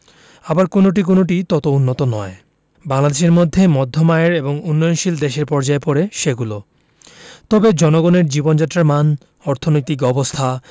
আবার কোনো কোনোটি তত উন্নত নয় বাংলাদেশের মতো মধ্যম আয়ের এবং উন্নয়নশীল দেশের পর্যায়ে পড়ে সেগুলো তবে জনগণের জীবনযাত্রার মান অর্থনৈতিক অবস্থা